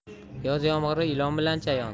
yoz yomg'iri ilon bilan chayon